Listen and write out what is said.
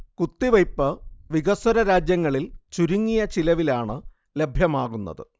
കുത്തിവെയ്പ് വികസ്വര രാജ്യങ്ങളിൽ ചുരുങ്ങിയ ചിലവിലാണ് ലഭ്യമാകുന്നത്